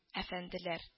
Әфәнделәр